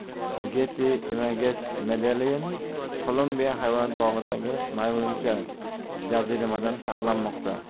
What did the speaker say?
getty imagesmedelyin kolumbiya hayvonot bog'idagi maymuncha jaziramadan saqlanmoqda